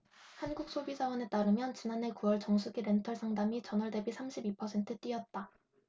한국소비자원에 따르면 지난해 구 월 정수기렌털 상담이 전월대비 삼십 이 퍼센트 뛰었다